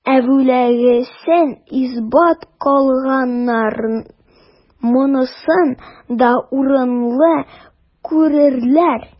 Әүвәлгесен исбат кылганнар монысын да урынлы күрерләр.